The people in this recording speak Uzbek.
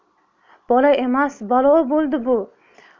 bola emas balo bo'ldi bu